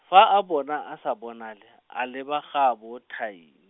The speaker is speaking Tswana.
fa a bona a sa bonale, a leba gaabo Tin-.